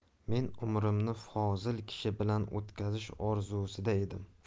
men umrimni fozil kishi bilan o'tkazish orzusida edim